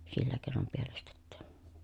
sillä keinoin pielestetään